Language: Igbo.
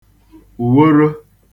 ùworo